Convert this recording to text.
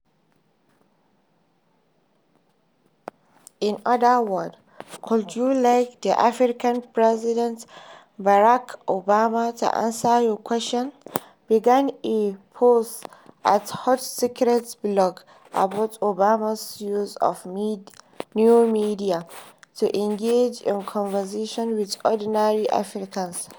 In other words, would you like the American president, Barack Obama to answer your questions?,” begins a post at Hot Secrets blog about Obama's use of new media to engage in a conversation with ordinary Africans.